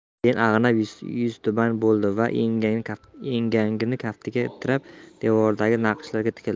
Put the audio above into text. keyin ag'anab yuztuban bo'ldi da engagini kaftiga tirab devordagi naqshlarga tikildi